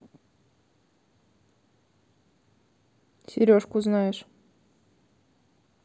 сережку знаешь